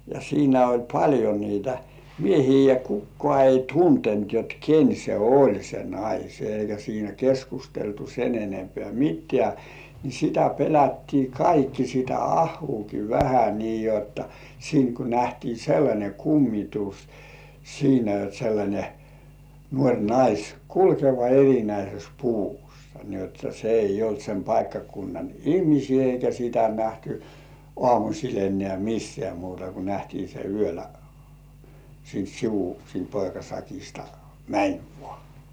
ja siinä oli paljon niitä miehiä ja kukaan ei tuntenut jotta ken se oli se nainen eikä siinä keskusteltu sen enempää mitään niin sitä pelättiin kaikki sitä ahoakin vähän niin jotta siinä kun nähtiin sellainen kummitus siinä jotta sellainen nuori nainen kulkeva erinäisessä puvussa niin jotta se ei ollut sen paikkakunnan ihmisiä eikä sitä nähty aamulla enää missään muuta kuin nähtiin se yöllä siitä sivu siitä poikasakista meni vain